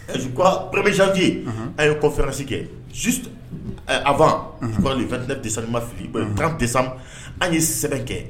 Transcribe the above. Rɛbectiye a yefɛrasi kɛ su a tɛ disa ma fili kan tesa an ye sɛbɛn kɛ